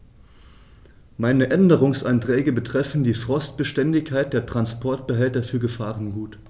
Meine Änderungsanträge betreffen die Frostbeständigkeit der Transportbehälter für Gefahrgut.